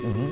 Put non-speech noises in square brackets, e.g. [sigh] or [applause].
[hesitation] [hesitation]